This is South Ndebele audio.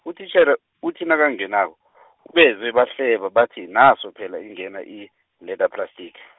utitjhere, uthi nakangenako , ubezwe bahleba bathi naso phela ingena, i- leather plastic .